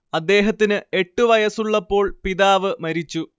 അദ്ദേഹത്തിന്‌ എട്ടു വയസ്സുള്ളപ്പോൾ പിതാവ് മരിച്ചു